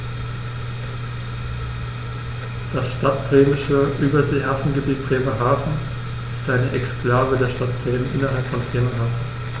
Das Stadtbremische Überseehafengebiet Bremerhaven ist eine Exklave der Stadt Bremen innerhalb von Bremerhaven.